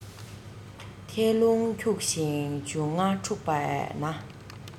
ཐད རླུང འཁྱུག ཅིང འབྱུང ལྔ འཁྲུགས པས ན